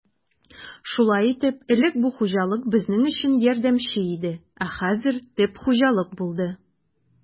Шулай итеп, элек бу хуҗалык безнең өчен ярдәмче иде, ә хәзер төп хуҗалык булды.